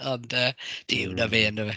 Ond yy Duw 'na fe yn dyfe?